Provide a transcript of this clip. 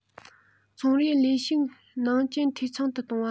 ཚོང རའི ལས ཞུགས ནང རྐྱེན འཐུས ཚང དུ གཏོང བ